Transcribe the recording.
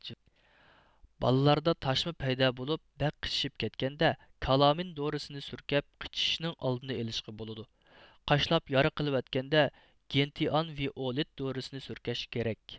بالىلاردا تاشما پەيدا بولۇپ بەك قىچىشىپ كەتكەندە كالامىن دورىسىنى سۈركەپ قىچىشىشنىڭ ئالدىنى ئېلىشقا بولىدۇ قاشلاپ يارا قىلىۋەتكەندە گېنتىئان ۋىئولېت دورىسنى سۈركەش كېرەك